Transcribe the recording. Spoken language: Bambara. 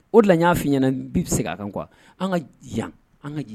O la n y'a f ɲɛna n bɛ bɛ se a kan qu an ka yan an ka ji